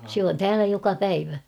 se on täällä joka päivä